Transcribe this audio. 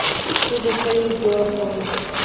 студия союз с дороховым